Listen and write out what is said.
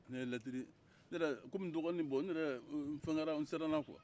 kɔmi dɔgɔni n yɛrɛ siranna kuwa